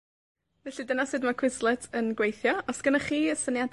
Felly, dyna sut ma' Quizlet yn gweithio. Os gynnoch chi syniada eryll, ne' 'dach chi